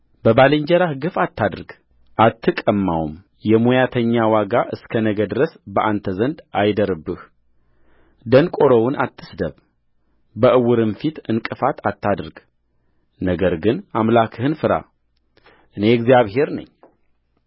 በባልንጀራህ ግፍ አታድርግ አትቀማውም የሞያተኛው ዋጋ እስከ ነገ ድረስ በአንተ ዘንድ አይደርብህደንቆሮውን አትስደብ በዕውርም ፊት ዕንቅፋት አታድርግ ነገር ግን አምላክህን ፍራ እኔ እግዚአብሔር ነኝ